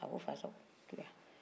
a ko fasago to yan